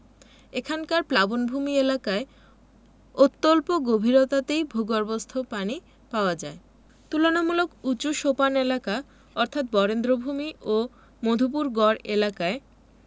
এখানকার প্লাবনভূমি এলাকায় অত্যল্প গভীরতাতেই ভূগর্ভস্থ পানি পাওয়া যায় তুলনামূলক উঁচু সোপান এলাকা অর্থাৎ বরেন্দ্রভূমি ও মধুপুরগড় এলাকায়